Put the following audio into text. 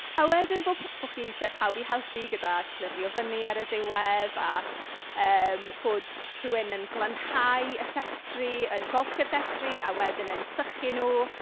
A wedyn bo' p... bo' chi isie pawb i helpu gyda clirio fyny ar y diwedd a yym bod rhywun yn glanhau y llestri... yn golchi'r llestri a wedyn yn sychu nhw.